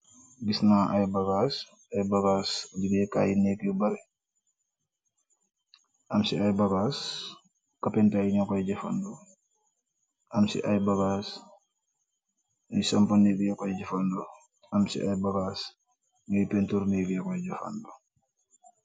Gisna aiiy bagass, aiiy bagass legaye kaii negg yu bari, am cii aiiy bagass carpenter yii njur koi jeufandoh, am cii aiiy bagass njui sampah negg njur koi jeufandoh, am cii aiiy bagass njui peintur negg njur koi jeufandoh.